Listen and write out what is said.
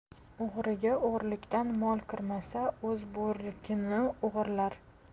o'g'riga o'g'rilikdan mol kirmasa o'z bo'rkini o'g'irlar